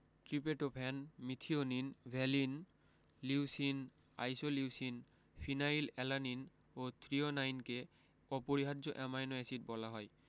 tryptophan methionine valine leucine isoleucine phenyl alanine ও থ্রিওনাইনকে অপরিহার্য অ্যামাইনো এসিড বলা হয়